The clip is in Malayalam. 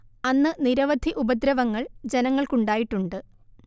അന്ന് നിരവധി ഉപദ്രവങ്ങൾ ജനങ്ങൾക്കുണ്ടായിട്ടുണ്ട്